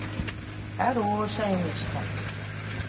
хорошая мечта